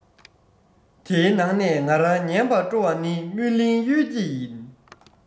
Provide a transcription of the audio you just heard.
དེའི ནང ནས ང རང ཉན པ སྤྲོ བ ནི མོན གླིང གཡུལ འགྱེད ཡིན